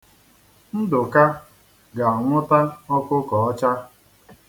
Ndụka ga-anwụta ọkụkọ ọcha.